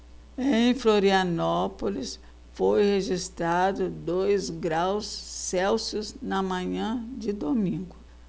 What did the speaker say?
em florianópolis foi registrado dois graus celsius na manhã de domingo